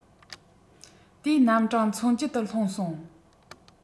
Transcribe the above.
དེའི རྣམ གྲངས མཚོ རྒྱུད དུ ལྷུང སོང